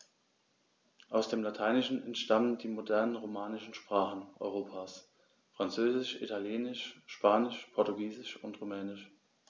Aus dem Lateinischen entstanden die modernen „romanischen“ Sprachen Europas: Französisch, Italienisch, Spanisch, Portugiesisch und Rumänisch.